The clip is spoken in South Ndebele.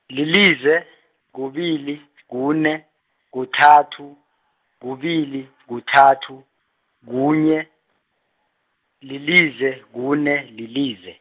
lilize, kubili, kune, kuthathu, kubili, kuthathu, kunye, lilize, kune, lilize.